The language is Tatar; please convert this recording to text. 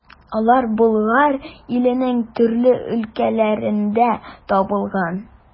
Алар Болгар иленең төрле өлкәләрендә табылган.